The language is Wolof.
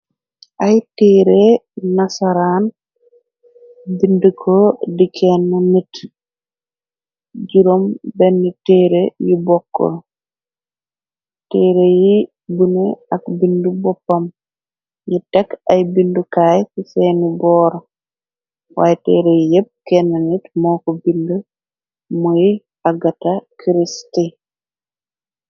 ay teere nasaraan bindko di kenn nit juróom benn téere yu bokkol teere yi bune ak bind boppam ni tekk ay bindukaay ci seeni boor waaye teere yi yépp kenn nit mooko bind moy agata krist